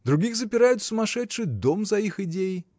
— Других запирают в сумасшедший дом за их идеи.